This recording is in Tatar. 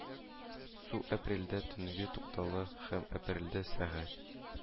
Су апрельдә төнге туктатыла һәм апрельдә сәгать